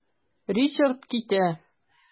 Ричард китә.